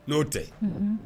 N'o tɛ